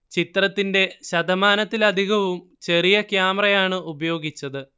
ചിത്രത്തിന്റെ ശതമാനത്തിലധികവും ചെറിയ ക്യാമറയാണ് ഉപയോഗിച്ചത്